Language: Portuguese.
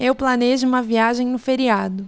eu planejo uma viagem no feriado